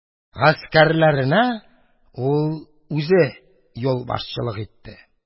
Гаскәрләренә ул үзе юлбашчылык итте.